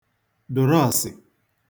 dụrọọsị